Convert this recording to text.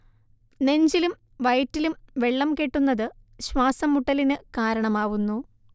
നെഞ്ചിലും വയറ്റിലും വെള്ളം കെട്ടുന്നത് ശ്വാസം മുട്ടലിനു കാരണമാവുന്നു